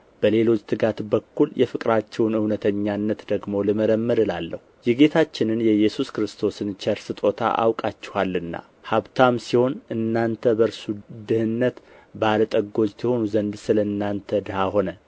በሌሎች ትጋት በኩል የፍቅራችሁን እውነተኛነት ደግሞ ልመረምር እላለሁ የጌታችንን የኢየሱስ ክርስቶስን ቸር ስጦታ አውቃችኋልና ሀብታም ሲሆን እናንተ በእርሱ ድህነት ባለ ጠጎች ትሆኑ ዘንድ ስለ እናንተ ድሀ ሆነ